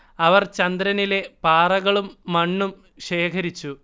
അവർ ചന്ദ്രനിലെ പാറകളും മണ്ണും ശേഖരിച്ചു